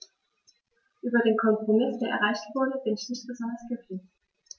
Über den Kompromiss, der erreicht wurde, bin ich nicht besonders glücklich.